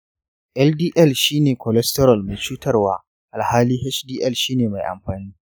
ldl shi ne cholesterol mai cutarwa alhali hdl shi ne mai amfani